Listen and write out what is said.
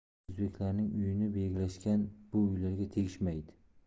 o'zbeklarning uyini belgilashgan bu uylarga tegishmaydi